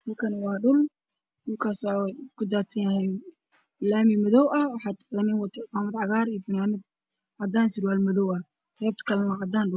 Halkaan waa dhul waa laami madow waxaa taagan nin wato cimaamad cagaaran, fanaanad cadaan ah iyo surwaal madow ah, qeybta kale dhulka waa cadaan.